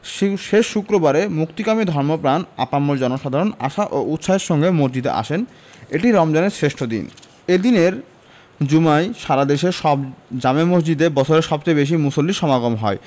শেষ শুক্রবারে মুক্তিকামী ধর্মপ্রাণ আপামর জনসাধারণ আশা ও উৎসাহের সঙ্গে মসজিদে আসেন এটি রমজানের শ্রেষ্ঠ দিন এ দিনের জুমায় সারা দেশের সব জামে মসজিদে বছরের সবচেয়ে বেশি মুসল্লির সমাগম হয়